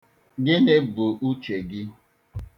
Gịnị bụ uche gị.